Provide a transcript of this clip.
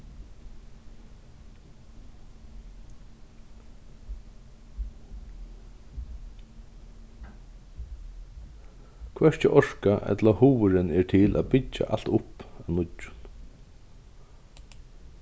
hvørki orka ella hugurin er til at byggja alt upp av nýggjum